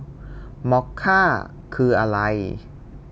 มอคค่าคืออะไร